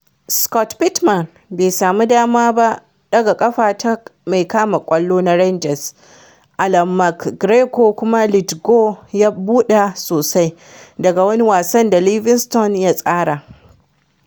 Scott Pittman bai samu dama ba daga ƙafa ta mai kama ƙwallo na Rangers Allan McGregor kuma Lithgow ya buɗa sosai daga wani wasan da Livingston ya tsara.